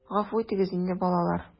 Гафу итегез инде, балалар...